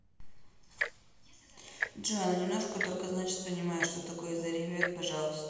джой она немножко только значит понимаешь что такое заревет пожалуйста